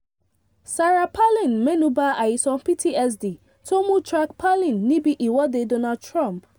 Sarah Palin mẹ́nu ba àìsàn PTSD tó mú Track Palin níbi ìwọ́de Donald Trump